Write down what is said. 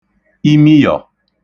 imiyọ